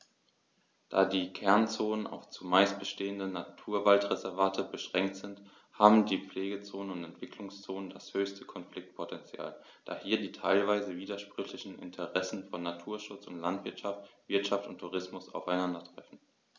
Da die Kernzonen auf – zumeist bestehende – Naturwaldreservate beschränkt sind, haben die Pflegezonen und Entwicklungszonen das höchste Konfliktpotential, da hier die teilweise widersprüchlichen Interessen von Naturschutz und Landwirtschaft, Wirtschaft und Tourismus aufeinandertreffen.